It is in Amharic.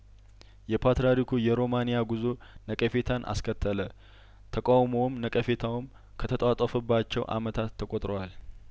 የፓትርያርኩ የሮማን ያጉዞ ነቀፌታን አስከተለተቃውሞውም ነቀፌታውም ከተጧጧፈባቸው አመታት ተቆጥረዋል